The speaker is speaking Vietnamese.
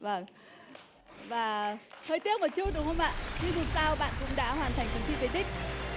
vầng và hơi tiếc một chút đúng không ạ nhưng dù sao bạn cũng đã hoàn thành phần thi về đích